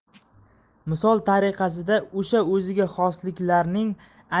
misol tariqasida o'sha o'ziga xosliklarning